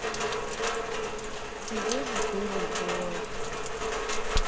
где же ты любовь